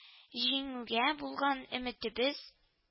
Җиңүгә булган өметебез